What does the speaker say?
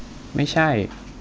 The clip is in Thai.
ไม่ใช่